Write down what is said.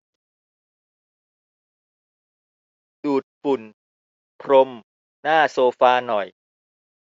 ดูดฝุ่นพรมหน้าโซฟาหน่อย